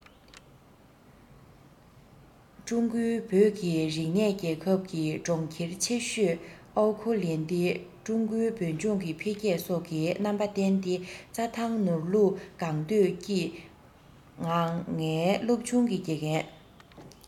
ཀྲུང གོའི བོད ཀྱི རིག གནས རྒྱལ ཁབ ཀྱི གྲོང ཁྱེར ཆེ ཤོས ཨའོ ཁོ ལན ཏི ཀྲུང གོའི བོད ལྗོངས ཀྱི འཕེལ རྒྱས སོགས ཀྱི རྣམ པ བསྟན ཏེ རྩ ཐང ནོར ལུག གང འདོད སྐྱིད ང ངའི སློབ ཆུང གི དགེ རྒན